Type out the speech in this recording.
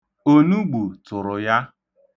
Onugbu tụrụ ya.